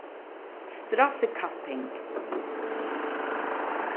straffikapping